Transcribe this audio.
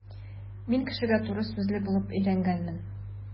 Мин кешегә туры сүзле булып өйрәнгәнмен.